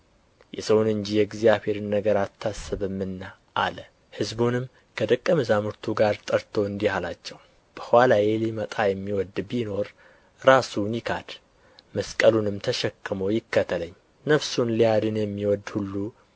የሰውን እንጂ የእግዚአብሔርን ነገር አታስብምና አለው ሕዝቡንም ከደቀ መዛሙርቱ ጋር ጠርቶ እንዲህ አላቸው በኋላዬ ሊመጣ የሚወድ ቢኖር ራሱን ይካድ መስቀሉንም ተሸክሞ ይከተለኝ ነፍሱን ሊያድን የሚወድ ሁሉ